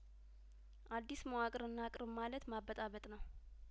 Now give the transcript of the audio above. አዲስ መዋቅር እና ቅርብ ማለት ማበጣበጥ ነው